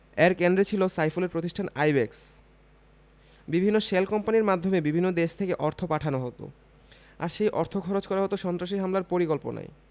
এর কেন্দ্রে ছিল সাইফুলের প্রতিষ্ঠান আইব্যাকস বিভিন্ন শেল কোম্পানির মাধ্যমে বিভিন্ন দেশ থেকে অর্থ পাঠানো হতো আর সেই অর্থ খরচ করা হতো সন্ত্রাসী হামলার পরিকল্পনায়